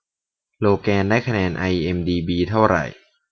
โลแกนได้คะแนนไอเอ็มดีบีเท่าไหร่